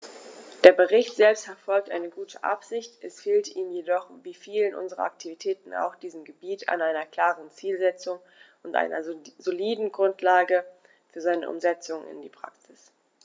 Der Bericht selbst verfolgt eine gute Absicht, es fehlt ihm jedoch wie vielen unserer Aktivitäten auf diesem Gebiet an einer klaren Zielsetzung und einer soliden Grundlage für seine Umsetzung in die Praxis.